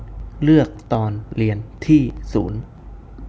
เลือกตอนเรียนที่ศูนย์